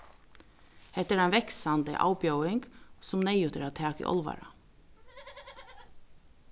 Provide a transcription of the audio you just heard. hetta er ein vaksandi avbjóðing sum neyðugt er at taka í álvara